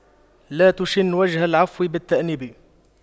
لا تشن وجه العفو بالتأنيب